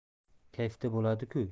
kayfda bo'ladiku